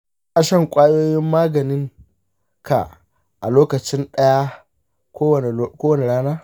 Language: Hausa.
kana shan ƙwayoyin maganin ka a lokaci ɗaya kowace rana?